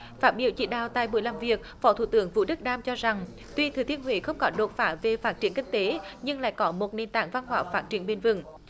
phát biểu chỉ đạo tại buổi làm việc phó thủ tướng vũ đức đam cho rằng tuy thừa thiên huế không có đột phá về phát triển kinh tế nhưng lại có một nền tảng văn hóa phát triển bền vững